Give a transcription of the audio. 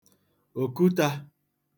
òkutā